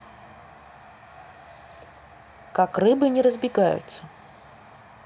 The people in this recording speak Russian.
как рыбы не разбегаются